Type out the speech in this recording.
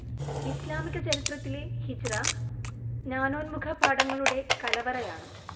ഇസ്ലാമിക ചരിത്രത്തിലെ ഹിജ്റ നാനോന്മുഖ പാഠങ്ങളുടെ കലവറയാണ്